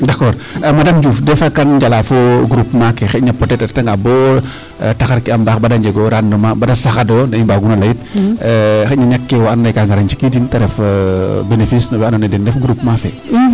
D' accord madame Diouf des fois kan njala fo groupement ke xay ne peut etre o retanga boo taxar ke a mbaax bada njegooyo rendement bo ta saxadooyo ne i mbaguuna layit xayna ñakkee waa andoona yee kaa ngara a njikidooyo ta ref bénéfice no we andoona e den groupement fe?